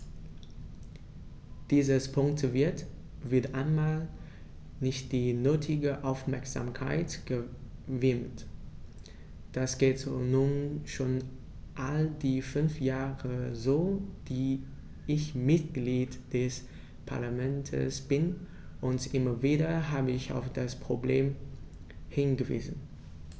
Diesem Punkt wird - wieder einmal - nicht die nötige Aufmerksamkeit gewidmet: Das geht nun schon all die fünf Jahre so, die ich Mitglied des Parlaments bin, und immer wieder habe ich auf das Problem hingewiesen.